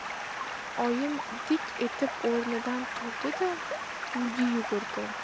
oyim dik etib o'rnidan turdi da uyga yugurdi